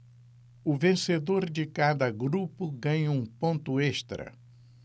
o vencedor de cada grupo ganha um ponto extra